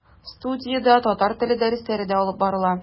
Студиядә татар теле дәресләре дә алып барыла.